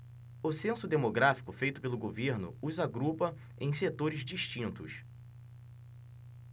o censo demográfico feito pelo governo os agrupa em setores distintos